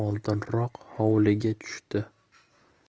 oldinroq hovliga tushdi